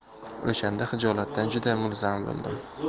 o'shanda xijolatdan juda mulzam bo'ldim